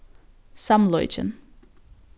samleikin